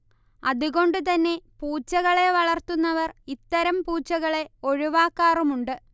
അതുകൊണ്ട് തന്നെ പൂച്ചകളെ വളർത്തുന്നവർ ഇത്തരം പൂച്ചകളെ ഒഴിവാക്കാറുമുണ്ട്